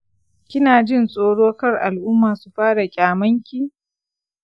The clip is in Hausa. kina jin tsoro kar al'umma su fara kyamanki?